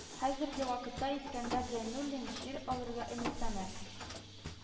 Хәзерге вакытта Искәндәр Зәйнуллин җир алырга өметләнә